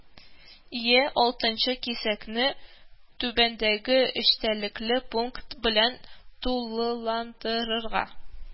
Е) 6нчы кисәкне түбәндәге эчтәлекле пункт белән тулыландырырга: